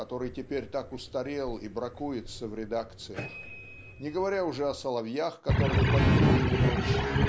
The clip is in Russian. который теперь так устарел и бракуется в редакциях не говоря уже о соловьях которые поют день и ночь